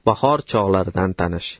bahor chog'laridan tanish